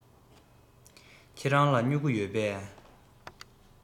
ཁྱེད རང ལ སྨྱུ གུ ཡོད པས